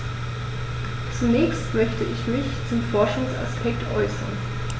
Zunächst möchte ich mich zum Forschungsaspekt äußern.